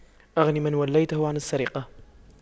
أغن من وليته عن السرقة